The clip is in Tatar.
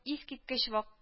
Искиткеч вак